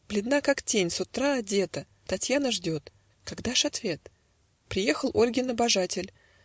Бледна, как тень, с утра одета, Татьяна ждет: когда ж ответ? Приехал Ольгин обожатель.